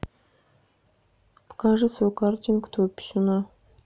покажи свою картинку твоего писюна